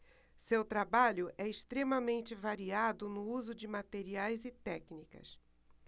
seu trabalho é extremamente variado no uso de materiais e técnicas